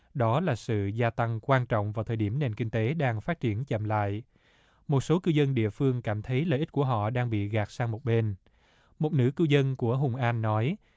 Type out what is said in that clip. đó là sự gia tăng quan trọng vào thời điểm nền kinh tế đang phát triển chậm lại một số cư dân địa phương cảm thấy lợi ích của họ đang bị gạt sang một bên một nửa cư dân của hùng an nói